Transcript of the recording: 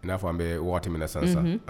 N'a fɔ an bɛ waati min san san